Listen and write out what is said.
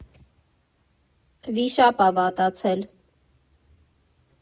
ՎԻՇԱՊ Ա ՎԱՏԱՑԵԼ։